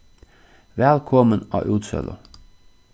vælkomin á útsølu